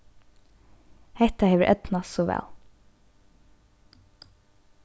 hetta hevur eydnast so væl